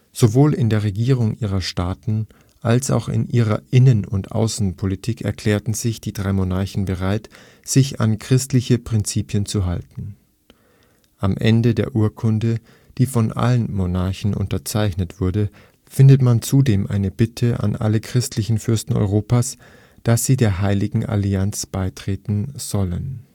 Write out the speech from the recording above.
Sowohl in der Regierung ihrer Staaten als auch in ihrer Innen - und Außenpolitik erklärten sich die drei Monarchen bereit, sich an christliche Prinzipien zu halten. Am Ende der Urkunde, die von allen Monarchen unterzeichnet wurde, findet man zudem eine Bitte an alle christlichen Fürsten Europas, dass sie der Heiligen Allianz beitreten sollen